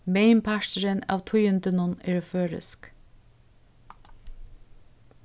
meginparturin av tíðindunum eru føroysk